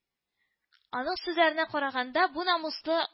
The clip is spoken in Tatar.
Аның сүзләренә караганда, бу намуслы